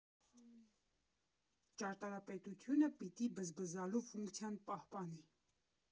Ճարտարապետությունը պիտի բզբզալու ֆունկցիան պահպանի։